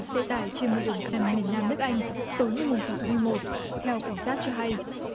xe tải trên một đường cai miền nam nước anh tối nay mùng sáu tháng mười một theo cảnh sát cho hay